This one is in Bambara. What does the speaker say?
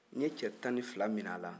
n ye cɛ tan ni fila minɛ u la